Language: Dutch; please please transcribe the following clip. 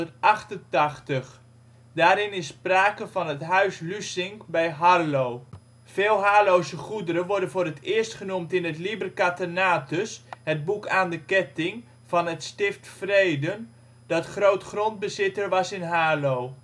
1188. Daarin is sprake van het huis Lusinc bij Harlo. Veel Haarlose goederen worden voor het eerst genoemd in het " liber catenatus " (het boek aan de ketting) van het Stift Vreden, dat grootgrondbezitter was in Haarlo